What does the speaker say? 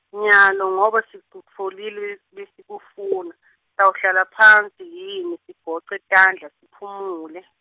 nyalo ngoba sikutfolile, lebesikufuna, sitawuhlala phansi yini sigoce tandla siphumule.